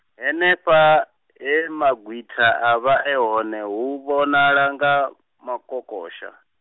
henefha, he magwitha avha e hone hu vhonala nga, makokosha.